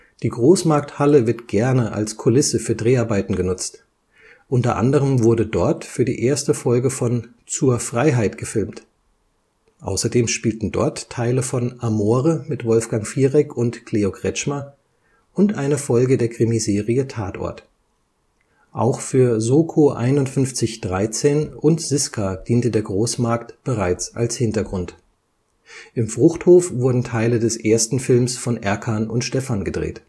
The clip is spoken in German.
Die Großmarkthalle wird gerne als Kulisse für Dreharbeiten genutzt. Unter anderem wurde dort für die erste Folge von Zur Freiheit gefilmt, außerdem spielen dort Teile von Amore mit Wolfgang Fierek und Cleo Kretschmer und eine Folge der Krimiserie Tatort. Auch für SOKO 5113 und Siska diente der Großmarkt bereits als Hintergrund. Im Fruchthof wurden Teile des ersten Films von Erkan und Stefan gedreht